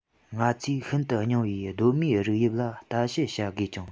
ང ཚོས ཤིན ཏུ རྙིང བའི གདོད མའི རིགས དབྱིབས ལ ལྟ དཔྱད བྱ དགོས ཀྱང